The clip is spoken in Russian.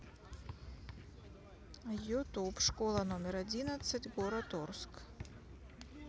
youtube школа номер одиннадцать город орск